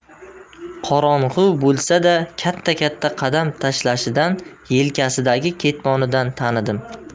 qorong'i bo'lsa da katta katta qadam tashlashidan yelkasidagi ketmonidan tanidim